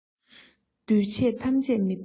འདུས བྱས ཐམས ཅད མི རྟག པ